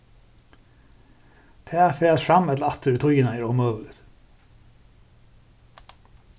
tað at ferðast fram ella aftur í tíðina er ómøguligt